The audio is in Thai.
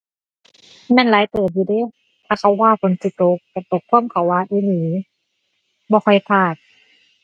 แม่นหลายเติบอยู่เดะ ถ้าเขาว่าฝนสิตกก็ตกความเขาว่าอีหลี บ่ค่อยพลาด